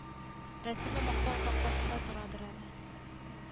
Шулай да син саграк бул.